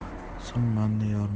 so'ng manniy yormasi